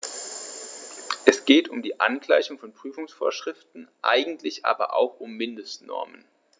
Es geht um die Angleichung der Prüfungsvorschriften, eigentlich aber auch um Mindestnormen.